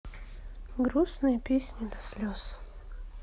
грустные песни до слез